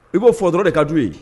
I b'o fɔ dɔrɔn o de ka d'u ye